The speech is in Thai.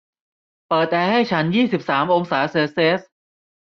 เปิดแอร์ให้ฉันยี่สิบสามองศาเซลเซียส